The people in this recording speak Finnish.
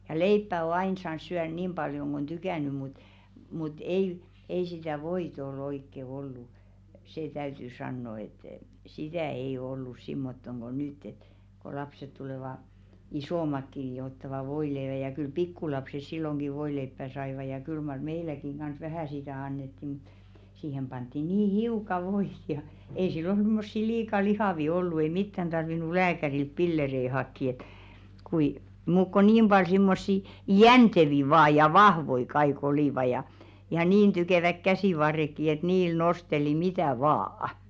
ja leipää on aina saanut syödä niin paljon kuin on tykännyt mutta mutta ei ei sitä voita ole oikein ollut se täytyy sanoa että sitä ei ole ollut semmottoon kuin nyt että kun lapset tulevat isommatkin niin jo ottavat voileivän ja kyllä pikkulapset silloinkin voileipää saivat ja kyllä mar meilläkin kanssa vähän sitä annettiin mutta siihen pantiin niin hiukan voita ja ei silloin semmoisia liika lihavia ollut ei mitään tarvinnut lääkäriltä pillereitä hakea että kuin muuta kuin niin paljon semmoisia jänteviä vain ja vahvoja kaikki olivat ja ja niin tykevät käsivarretkin että niillä nosteli mitä vain